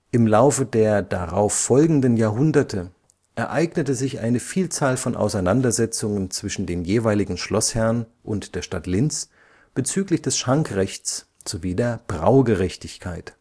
Im Laufe der darauffolgenden Jahrhunderte ereignete sich eine Vielzahl von Auseinandersetzungen zwischen den jeweiligen Schlossherren und der Stadt Linz bezüglich des Schankrechts sowie der Braugerechtigkeit